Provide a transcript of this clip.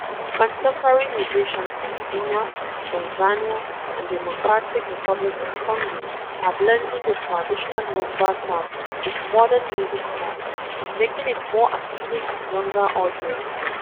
Contemporary musicians from Kenya, Tanzania & Democratic Republic of Congo are blending the traditional Rhumba sound with modern music styles, making it more appealing to younger audiences.